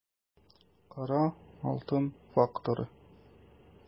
Кара алтын факторы